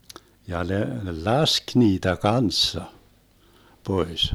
ja ne laski niitä kanssa pois